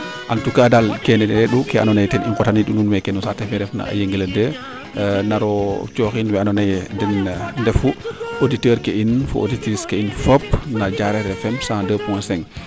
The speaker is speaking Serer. en tout cas kene ne re u ke ando naye ten i ngot u meke no sate fe refna a yengele 2 naro coxin we ando naye den ndefu auditeur ke in fo auditrice ke in fop no Diarekh FM 102 point 5